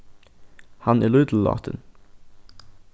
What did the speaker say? hann er lítillátin